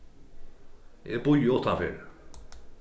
eg bíði uttanfyri